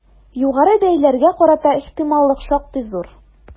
Югары бәяләргә карата ихтималлык шактый зур.